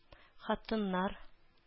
Хатыннар